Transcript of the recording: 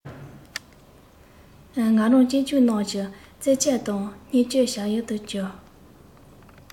ང རང གཅེན གཅུང རྣམས ཀྱི རྩེད ཆས དང བརྙས བཅོས བྱ ཡུལ དུ གྱུར